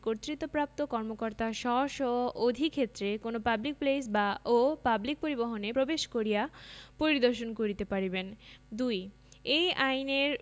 কর্তৃত্বপ্রাপ্ত কর্মকর্তা স্ব স্ব অধিক্ষেত্রে কোন পাবলিক প্লেস ও পাবলিক পরিবহণে প্রবেশ করিয়া পরিদর্শন করিতে পারিবেন ২ এই আইনের